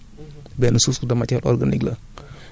loolu ma mën naa ko bay dajale ko dem sotti ko sama tool